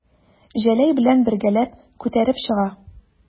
Җәләй белән бергәләп күтәреп чыга.